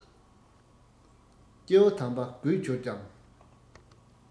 སྐྱེ བོ དམ པ རྒུད གྱུར ཀྱང